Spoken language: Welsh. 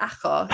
Achos